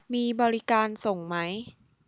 มีบริการส่งไหม